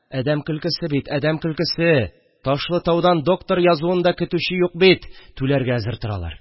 Әдәм көлкесе бит, әдәм көлкесе, Ташлытаудан доктор язуын да көтүче юк бит, түләргә әзер торалар